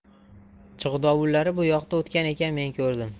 chig'dovullari bu yoqqa o'tgan ekan men ko'rdim